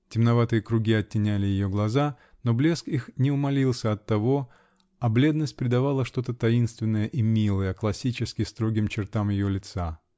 темноватые круги оттеняли ее глаза, но блеск их не умалился от того, а бледность придавала что-то таинственное и милое классически строгим чертам ее лица.